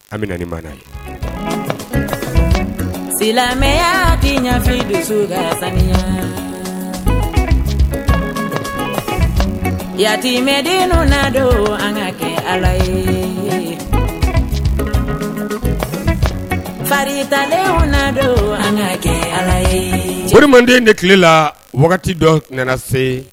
A bɛ na bange di silamɛyafe dusu ka sami yamɛden nadon an ka kɛ ala ye faritalen nadon an ka kɛ ala ye foli manden de tile la wagati dɔ nana se